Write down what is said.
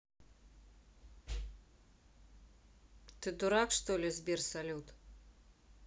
ты дурак что ли сбер салют